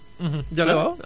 Jalle waaw